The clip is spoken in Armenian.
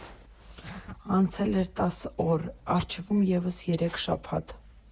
Անցել էր տասը օր, առջևում՝ ևս երեք շաբաթ։